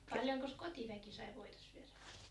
paljonkos kotiväki sai voita syödä